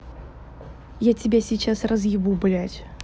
я тебя сейчас разъебу блядь